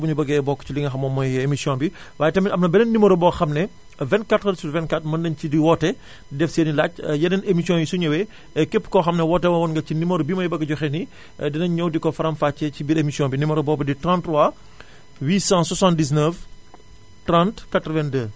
bu ñu bëggee bokk ci li nga xam ne moom mooy émission bi waaye tamit am na beneen numéro boo xam ne 24h sur 24 mën nañu si di woote def seen i laaj yeneen émissions yi su ñëwee képp koo xam ne woote woon ngaa ci numéro bii may bëgg a joxe nii dinañu ñëw di ko faram fàccee ci biir émission bi numéro boobu di 33 879 30 82